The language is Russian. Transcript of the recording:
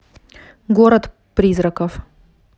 город призраков